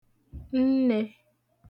nnē